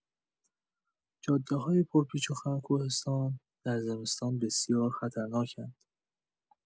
جاده‌های پرپیچ‌وخم کوهستان در زمستان بسیار خطرناک اند.